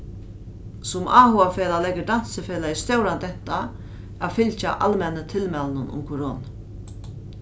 sum áhugafelag leggur dansifelagið stóran dent á at fylgja almennu tilmælunum um koronu